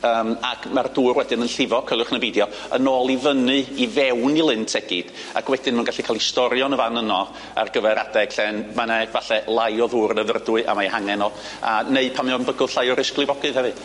yym ac ma'r dŵr wedyn yn llifo, coeliwch yn y beidio yn ôl i fyny i fewn i Lyn Tegid ac wedyn ma'n gallu ca'l 'i storio yn y fan yno ar gyfer adeg lle'n ma' 'ne efalle lai o ddŵr yn y Ddyfrdwy a mae 'i hangen o a neu pan mae o'n bygwth llai o risg lifogydd hefyd.